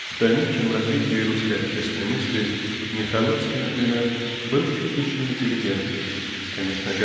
В дальнейшем развитии русской общественной мысли Михайловский например был типичный интеллигент конечно